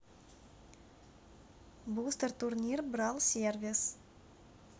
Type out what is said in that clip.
бустер турнир брал сервис